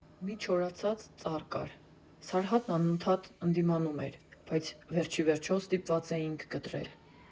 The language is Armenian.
Մի չորացած ծառ կար, Սարհատն անընդհատ ընդդիմանում էր, բայց վերջիվերջո ստիպված էինք կտրել։